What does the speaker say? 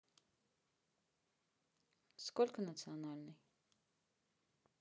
сколько национальной